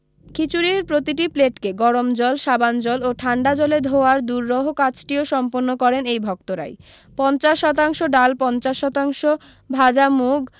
খিচুড়ির প্রতিটি প্লেটকে গরম জল সাবান জল ও ঠান্ডা জলে ধোওয়ার দূরহ কাজটিও সম্পন্ন করেন এই ভক্তরাই পঞ্চাশ শতাংশ চাল পঞ্চাশ শতাংশ ভাজা মুগ